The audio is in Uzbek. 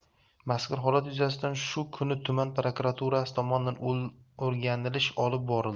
mazkur holat yuzasidan shu kuni tuman prokuraturasi tomonidan o'rganilish olib borildi